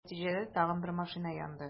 Нәтиҗәдә, тагын бер машина янды.